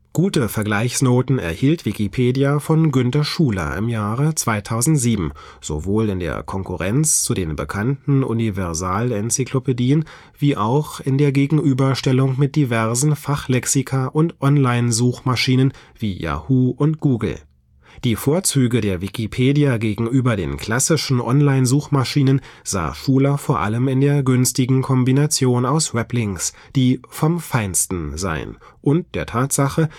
Gute Vergleichsnoten erhielt Wikipedia von Günter Schuler im Juli 2007 sowohl in der Konkurrenz zu den bekannten Universalenzyklopädien wie auch in der Gegenüberstellung mit diversen Fachlexika und Online-Suchmaschinen wie Yahoo und Google. Die Vorzüge der Wikipedia gegenüber den klassischen Online-Suchmaschinen sah Schuler vor allem in der günstigen Kombination aus Weblinks, die „ vom Feinsten “seien, und der Tatsache